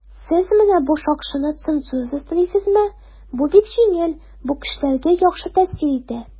"сез менә бу шакшыны цензурасыз телисезме?" - бу бик җиңел, бу кешеләргә яхшы тәэсир итә.